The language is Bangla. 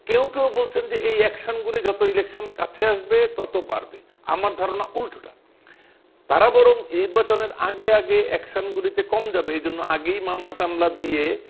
কেউ কেউ বলছেন যে এই অ্যাকশন গুলি যতই ইলেকশন কাছে আসবে ততোই বাড়বে আমার ধারণা উল্টোটা তারা বরং নির্বাচনের আগে আগে একশন গুলিতে কম যাবে এজন্য আগেই মামলা টামলা দিয়ে